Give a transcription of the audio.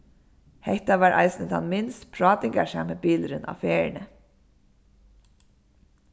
hetta var eisini tann minst prátingarsami bilurin á ferðini